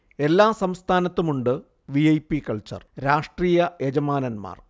എല്ലാ സംസ്ഥാനത്തുമുണ്ട് V. I. P. Culture രാഷ്ട്രീയ യജമാനൻമാർ